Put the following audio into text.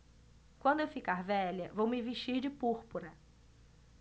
quando eu ficar velha vou me vestir de púrpura